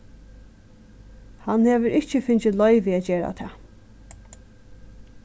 hann hevur ikki fingið loyvi at gera tað